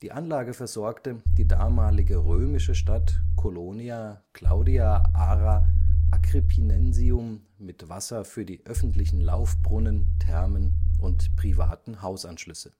Anlage versorgte die damalige römische Stadt Colonia Claudia Ara Agrippinensium mit Wasser für die öffentlichen Laufbrunnen, Thermen und privaten Hausanschlüsse